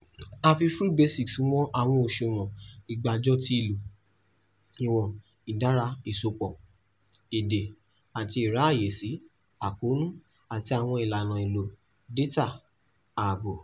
A fi Free Basics wọn àwọn òṣùwọ̀n àgbàjọ ti ìlò, ìwọ̀n ìdára ìsopọ̀, èdè, àti ìráàyèsí, àkóónú, àti àwọn ìlànà ìlò dátà/ààbò.